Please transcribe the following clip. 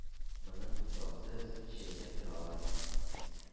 Моны туктаусыз чәйнәп торалар.